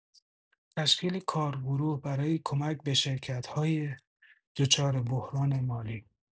تشکیل کارگروه برای کمک به شرکت‌های دچار بحران مالی